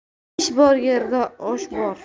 ish bor yerda osh bor